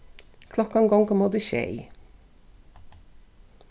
klokkan gongur ímóti sjey